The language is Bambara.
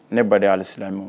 Ne ba de hali ali silala mɛn